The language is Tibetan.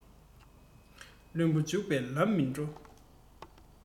བློན པོ འཇུག པའི ལམ མི འགྲོ